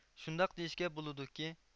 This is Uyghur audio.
شۇنداق دېيىشكە بولىدۇكى